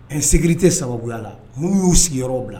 Insécurité sababuya la minnu y'u sigiyɔrɔw bila